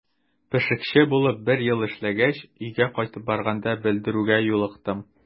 Пешекче булып бер ел эшләгәч, өйгә кайтып барганда белдерүгә юлыктым.